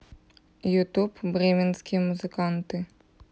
ютуб бременские музыканты